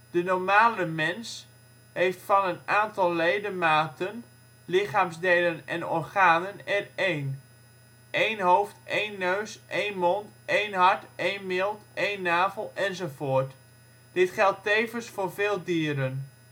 De (normale) mens heeft van een aantal ledematen, lichaamsdelen en organen er één: een hoofd, een neus, een mond, een hart, een milt, een navel, een penis of vagina, een anus, enzovoort. Dit geldt tevens voor veel dieren